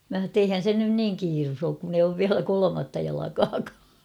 minä sanoin että eihän se nyt niin kiire ole kun ei ole vielä kolmatta jalkaakaan